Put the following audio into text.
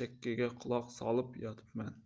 chakkaga quloq solib yotibman